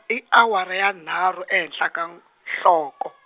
i awara ya nharhu ehenhla ka, nhloko.